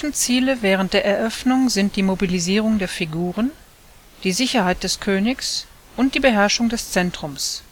Ziele während der Eröffnung sind die Mobilisierung der Figuren, die Sicherheit des Königs und die Beherrschung des Zentrums